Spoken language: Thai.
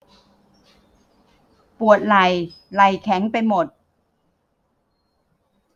ปวดไหล่ไหล่แข็งไปหมด